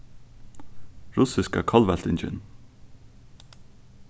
russiska kollveltingin